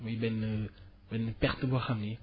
muy benn benn perte boo xam ni